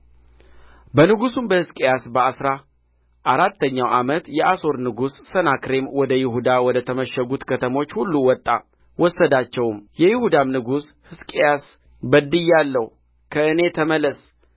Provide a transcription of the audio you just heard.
በንጉሡም በሕዝቅያስ በአሥራ አራተኛው ዓመት የአሦር ንጉሥ ሰናክሬም ወደ ይሁዳ ወደ ተመሸጉት ከተሞች ሁሉ ወጣ ወሰዳቸውም የይሁዳም ንጉሥ ሕዝቅያስ በድያለሁ ከእኔ ተመለስ